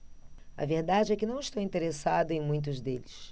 a verdade é que não estou interessado em muitos deles